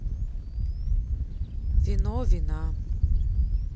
вино вина